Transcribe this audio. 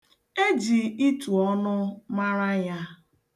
E ji itu ọnụ mara ya.